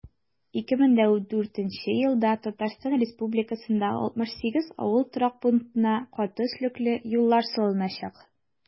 2014 елда татарстан республикасында 68 авыл торак пунктына каты өслекле юллар салыначак.